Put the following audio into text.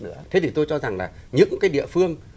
thế thì tôi cho rằng là những cái địa phương